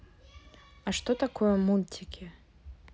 а что такое мультики